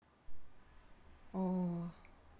оо